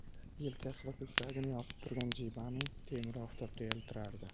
yelkasi va ko'kragini yopib turgan jibaning temiri oftobda yiltirardi